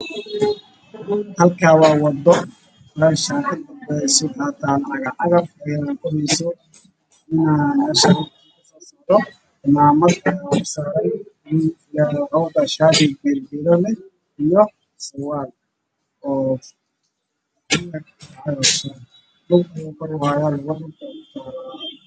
Waa waddo wayna balse ayaa ka muuqato waxaa maraaya dad dy ayaa